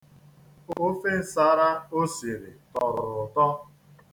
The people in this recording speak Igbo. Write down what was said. Ofe nsara o siri tọrọ ụtọ.